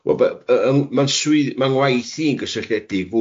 Wel f- yy yym, ma'n swydd... Ma' ngwaith i'n gysylltiedig fwy